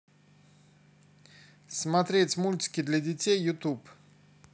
смотреть мультики для детей ютуб